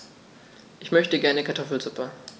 Ich möchte gerne Kartoffelsuppe.